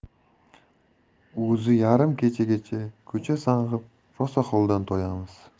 o'zi yarim kechagacha ko'cha sanqib rosa holdan toyamiz